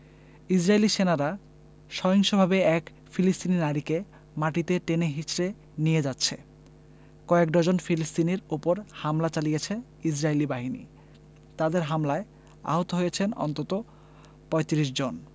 ইসরাইলী সেনারা সহিংসভাবে এক ফিলিস্তিনি নারীকে মাটিতে টেনে হেঁচড়ে নিয়ে যাচ্ছে কয়েক ডজন ফিলিস্তিনির ওপর হামলা চালিয়েছে ইসরাইলি বাহিনী তাদের হামলায় আহত হয়েছেন অন্তত ৩৫ জন